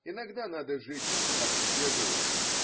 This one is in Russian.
Иногда надо жить, как все живут.